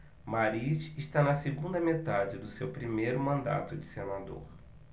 mariz está na segunda metade do seu primeiro mandato de senador